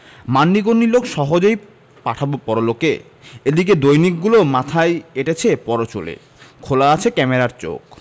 মান্যিগন্যি লোক সহজেই পাঠাবো পরলোকে এদিকে দৈনিকগুলো মাথায় এঁটেছে পরচুলে খোলা আছে ক্যামেরার চোখ